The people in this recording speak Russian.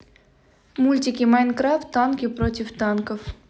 мультики майнкрафт танки против танков